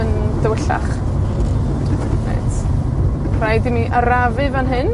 yn dywyllach. Reit. Rhaid i mi arafu fan hyn,